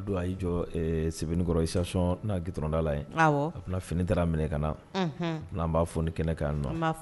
A don a y'i jɔ ɛ Sebenikɔrɔ station na goudron da la yen, awɔ, fini taara minɛ ka na, unhun, n'an b'a foni kɛnɛ kan yan nɔ, an b'a f